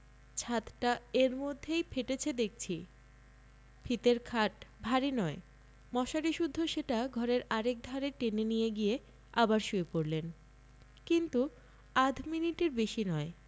ছাতটা এর মধ্যেই ফেটেছে দেখছি ফিতের খাট ভারী নয় মশারি সুদ্ধ সেটা ঘরের আর একধারে টেনে নিয়ে গিয়ে আবার শুয়ে পড়লেন কিন্তু আধ মিনিটের বেশি নয়